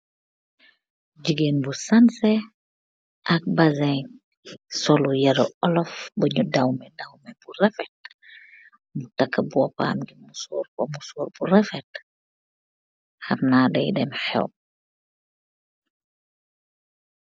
Jigen bu sanseh, ak bazen, solu yero ollof bu nyu dawmeh dawmeh bu refet, mu taka bopam bi musorr ko musorr bu refet, hamna dai dem hew.